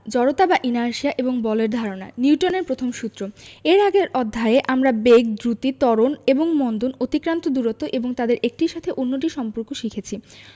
জড়তা বা ইনারশিয়া এবং বলের ধারণা নিউটনের প্রথম সূত্র এর আগের অধ্যায়ে আমরা বেগ দ্রুতি ত্বরণ এবং মন্দন অতিক্রান্ত দূরত্ব এবং তাদের একটির সাথে অন্যটির সম্পর্ক শিখেছি